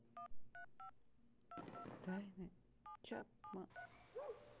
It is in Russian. тайны чапман